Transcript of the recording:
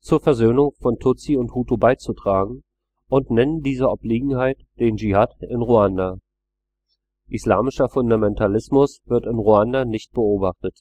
zur Versöhnung von Tutsi und Hutu beizutragen, und nennen diese Obliegenheit den Dschihad in Ruanda. Islamischer Fundamentalismus wird in Ruanda nicht beobachtet